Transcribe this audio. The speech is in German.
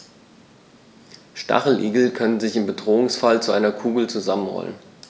Stacheligel können sich im Bedrohungsfall zu einer Kugel zusammenrollen.